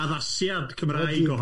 Addasiad Cymraeg ohoni.